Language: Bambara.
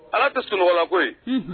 Ala tɛ sunɔgɔlanko ye